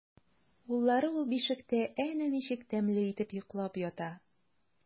Уллары ул бишектә әнә ничек тәмле итеп йоклап ята!